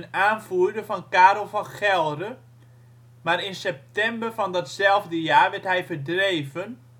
aanvoerder van Karel van Gelre, maar in september van datzelfde jaar werd hij verdreven